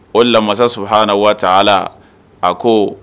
O de la masa subahaanahu wataala a koo